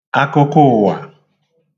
akụkụụwà